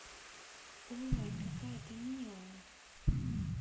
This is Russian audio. ой какая ты милая